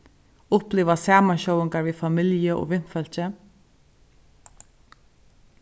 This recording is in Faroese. uppliva samansjóðingar við familju og vinfólki